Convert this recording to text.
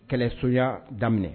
Kɛlɛsoya daminɛ